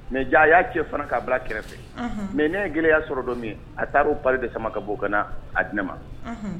Mais jaa a y'a cɛ fana k'a bila kɛrɛfɛ, unhun, mais ne ye gɛlɛya sɔrɔ dɔ min a taara o pari de sama ka bɔ ka na a di ne ma